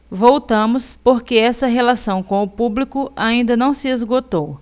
voltamos porque essa relação com o público ainda não se esgotou